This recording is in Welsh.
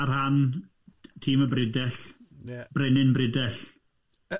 Ar rhan tîm y Bridell, Brenin Bridell.